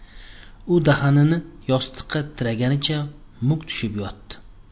u daxanini yostiqqa tiraganicha muk tushib yotdi